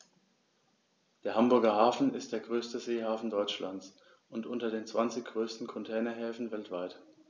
Der Hamburger Hafen ist der größte Seehafen Deutschlands und unter den zwanzig größten Containerhäfen weltweit.